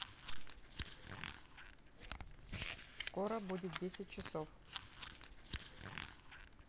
скоро будет десять часов